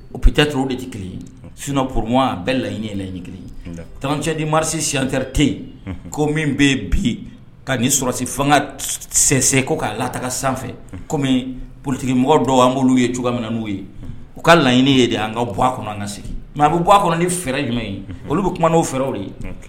O pta to de tɛ kelen sun poroma a bɛɛ la laɲini kelen tancdi marisi sitɛ tɛ yen ko min bɛ bi ka sɔrɔsi fanga sɛ ko k'a la taga sanfɛ kɔmi politigimɔgɔ dɔw an' ye cogoyamin n'u ye u ka laɲiniini ye de an ka bɔ a kɔnɔ an ka segin mɛ a bɛ b bɔ a kɔnɔ ni fɛɛrɛ jumɛn ye olu bɛ kuma n'o fɛw ye